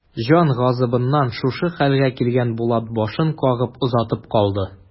Җан газабыннан шушы хәлгә килгән Булат башын кагып озатып калды.